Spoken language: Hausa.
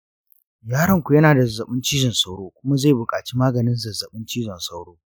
yaronku yana da zazzaɓin cizon sauro kuma zai buƙaci maganin zazzaɓin cizon sauro.